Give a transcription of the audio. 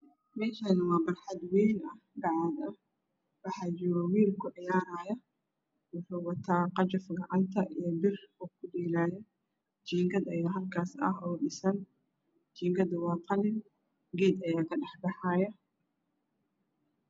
Meeshani waa barxad wayn waxaa joogo wiil kuciyaaraya wuxuu wataa qajif gacanta io bir jeengad ayaa halkaas ah oo dhisan jeegadu waa qalin geed ayaa ka dhex baxaayo